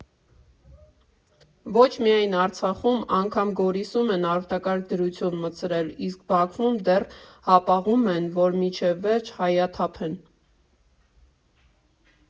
Ոչ միայն Արցախում, անգամ Գորիսում են արտակարգ դրություն մտցրել, իսկ Բաքվում դեռ հապաղում են, որ մինչև վերջ հայաթափեն։